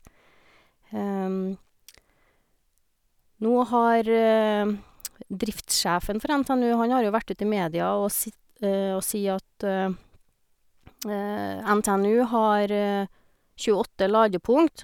Nå har driftssjefen for NTNU, han har jo vært ut i media og si og sier at NTNU har tjueåtte ladepunkt.